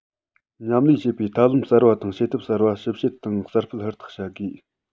མཉམ ལས བྱེད པའི ཐབས ལམ གསར པ དང བྱེད ཐབས གསར པ ཞིབ དཔྱད དང གསར སྤེལ ཧུར ཐག བྱ དགོས